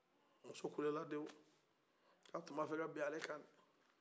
muso kulenla dew ko a tun bɛna bin ale ka de